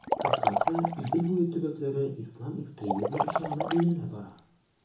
Кыскасы, Идел буе төбәкләре ислам экстремизмы учагына әйләнә бара.